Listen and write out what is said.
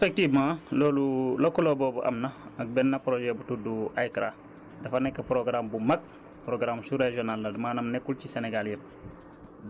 effectivement loolu lëkkaloo boobu am na ak benn prkojet bu tudd AICRA dafa nekk programme bu mag programme sous régional maanaam nekkul ci Sénégal yépp